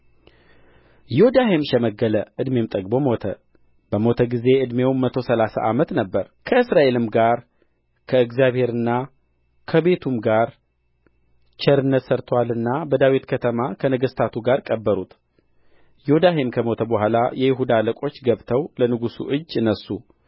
ዮዳሄም ሸመገለ ዕድሜም ጠግቦ ሞተ በሞተ ጊዜ ዕድሜው መቶ ሠላሳ ዓመት ነበረ ከእስራኤልም ጋር ከእግዚአብሔርና ከቤቱም ጋር ቸርነትን ሠርቶአልና በዳዊት ከተማ ከነገሥታቱ ጋር ቀበሩት ዮዳሄም ከሞተ በኋላ የይሁዳ አለቆች ገብተው ለንጉሡ እጅ ነሡ